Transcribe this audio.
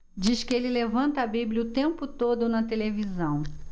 diz que ele levanta a bíblia o tempo todo na televisão